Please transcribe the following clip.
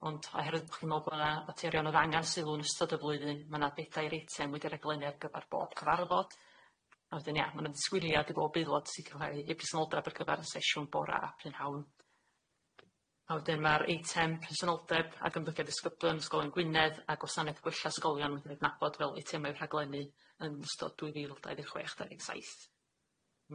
Ond oherwydd bo' chi'n me'wl bo' na materion o'dd angan sylw yn ystod y flwyddyn ma' na bedair eitem wedi'i raglenni ar gyfar bob cyfarfod, a wedyn ia ma' na'n disgwyliad i bob aelod sy'n cyfra'u i i presenoldeb ar gyfar y sesiwn bora a prynhawn, a wedyn ma'r eitem presenoldeb ac ymddygiad disgyblio ysgolion Gwynedd a gwasanaeth gwella' ysgolion wedi'i adnabod fel eitem o'i rhaglenni yn ystod dwy fil dau ddeg chwech dauddeg saith.